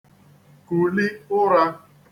kùli ụrā